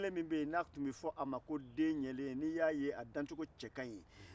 den kelen min tun bɛ ye n'a tun bɛ fɔ a ma ko den ɲɛlen n'i y'a ye a dancogo cɛ ka ɲi